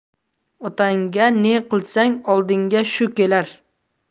otangga ne qilsang oldingga shu kelar